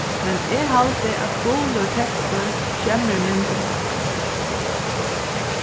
men eg haldi at gulur tekstur skemmir myndina